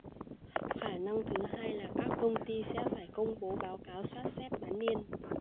khả năng thứ hai là các cty sẽ phải công bố báo cáo soát xét bán niên